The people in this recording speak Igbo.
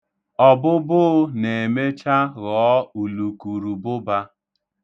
Ọbụbụụ na-emecha ghọọ ulukurubụba.